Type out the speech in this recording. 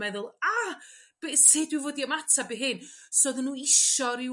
meddwl aah sud dwi fod i ymateb i hyn? So o'ddda n'w isio ryw